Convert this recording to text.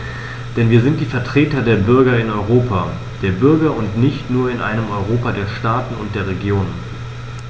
Denn wir sind die Vertreter der Bürger im Europa der Bürger und nicht nur in einem Europa der Staaten und der Regionen.